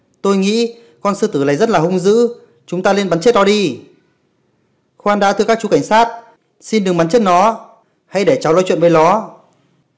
tôi nghĩ con sư tử này rất là hung dữ chúng ta nên bắn chết nó đi khoan đã thưa các chú cảnh sát xin đừng bắn chết nó hãy để cháu nói chuyện với nó